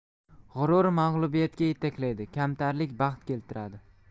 g'urur mag'lubiyatga yetaklaydi kamtarlik baxt keltiradi